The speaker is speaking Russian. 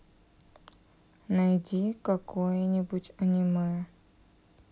найди какое нибудь аниме